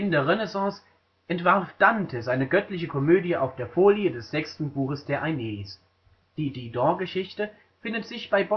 der Renaissance entwarf Dante seine Göttliche Komödie auf der Folie des sechsten Buches der Aeneis. Die Dido-Geschichte findet sich bei